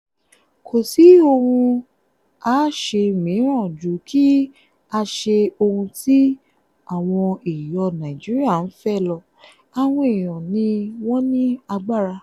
Kò sí ohun àáṣe mìíràn ju kí á ṣe ohun tí àwọn èèyàn Nigeria ń fẹ́ lọ, àwọn èèyàn ni wọ́n ní agbára.